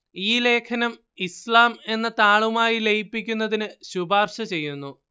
ഈ ലേഖനം ഇസ്ലാം എന്ന താളുമായി ലയിപ്പിക്കുന്നതിന് ശുപാർശ ചെയ്യുന്നു